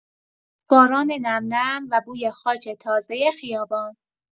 باران نم‌نم و بوی خاک تازه خیابان